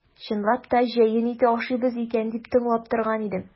Чынлап та җәен ите ашыйбыз икән дип тыңлап торган идем.